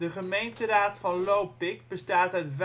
gemeenteraad van Lopik bestaat uit